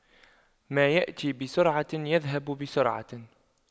ما يأتي بسرعة يذهب بسرعة